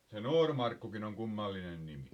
se Noormarkkukin on kummallinen nimi